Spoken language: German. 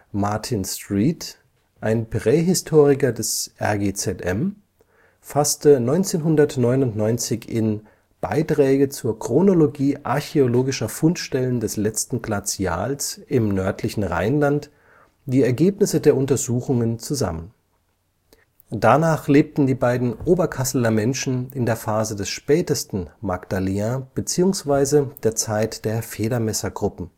Martin Street, ein Prähistoriker des RGZM, fasste 1999 in Beiträge zur Chronologie archäologischer Fundstellen des letzten Glazials im nördlichen Rheinland die Ergebnisse der Untersuchungen zusammen. Danach lebten die beiden Oberkasseler Menschen in der Phase des spätesten Magdalénien bzw. der Zeit der Federmesser-Gruppen